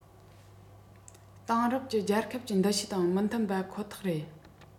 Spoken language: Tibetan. དེང རབས ཀྱི རྒྱལ ཁབ ཀྱི འདུ ཤེས དང མི མཐུན པ ཁོ ཐག རེད